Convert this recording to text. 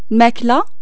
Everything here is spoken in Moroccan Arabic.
الماكلة